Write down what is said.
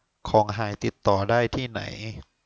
ของหายติดต่อได้ที่ไหน